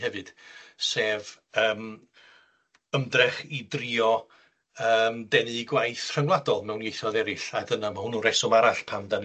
###hefyd sef yym ymdrech i drio yym denu gwaith rhyngwladol mewn ieithoedd eryll, a dyna ma' hwn yn reswm arall pam 'dan